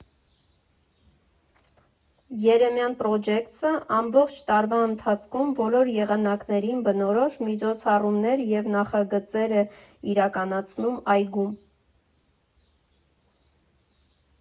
«Երեմյան Փրոջեքթսը» ամբողջ տարվա ընթացքում բոլոր եղանակներին բնորոշ միջոցառումներ և նախագծեր է իրականացնում այգում։